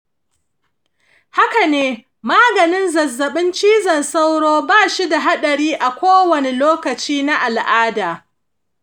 haka ne, maganin zazzabin cizon sauro ba shi da haɗari a kowane lokaci na al'ada.